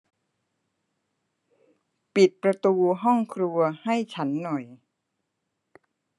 ปิดประตูห้องครัวให้ฉันหน่อย